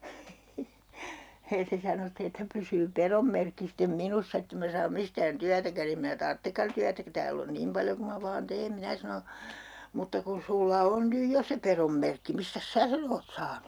hee se sanoi sitten että pysyy pedon merkki sitten minussa että en minä saa mistään työtäkään en minä tarvitsekaan työtä kun täällä on niin paljon kuin minä vain teen minä sanoin mutta kun sinulla on nyt jo se pedon merkki mistäs sinä sen olet saanut